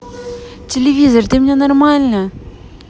телевизор ты меня нормально